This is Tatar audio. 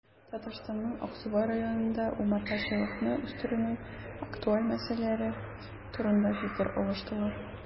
Татарстанның Аксубай районында умартачылыкны үстерүнең актуаль мәсьәләләре турында фикер алыштылар